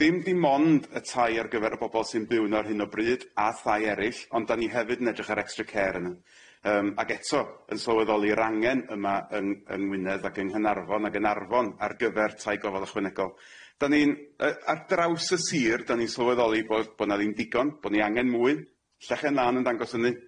Dim dim ond y tai ar gyfer y bobol sy'n byw yno ar hyn o bryd a thai eryll ond dan ni hefyd yn edrych ar extra care yna. Yym ag eto yn sylweddoli'r angen yma yng yng Ngwynedd ac yng Hynarfon ac yn Arfon ar gyfer tai gofal ychwanegol. Dan ni'n yy ar draws y sir dan ni'n sylweddoli bo' bo' na ddim digon bo' ni angen mwy. Llechen lan yn dangos hynny.